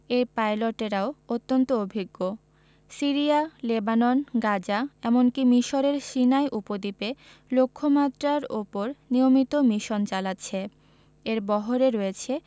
এর পাইলটেরাও অত্যন্ত অভিজ্ঞ সিরিয়া লেবানন গাজা এমনকি মিসরের সিনাই উপদ্বীপে লক্ষ্যমাত্রার ওপর নিয়মিত মিশন চালাচ্ছে এর বহরে রয়েছে